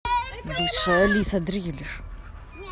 высшая алиса дрелишь